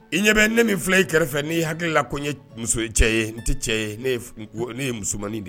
I ɲɛ bɛ ne min fila i kɛrɛfɛ fɛ n' hakilila ko n ye muso cɛ ye n tɛ cɛ ye ye ne ye musomanmani de ye